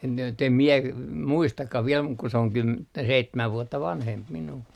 en jotta en minä muistakaan vielä mutta kun se on - seitsemän vuotta vanhempi minua